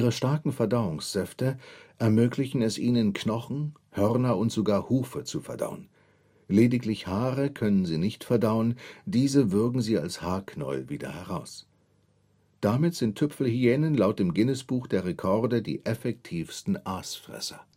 starken Verdauungssäfte ermöglichen es ihnen, Knochen, Hörner und sogar Hufe zu verdauen. Lediglich Haare können sie nicht verdauen, diese würgen sie als Haarknäuel wieder heraus. Damit sind Tüpfelhyänen laut dem Guinness Buch der Rekorde die effektivsten Aasfresser